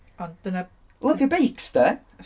Ond dyna... lyfio beics 'de.